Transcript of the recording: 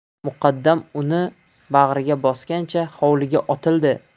muqaddam uni bag'riga bosganicha hovliga otildi